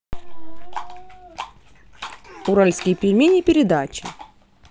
уральские пельмени передача